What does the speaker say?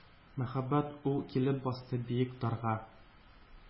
Мәһабәт ул килеп басты биек «дар»га.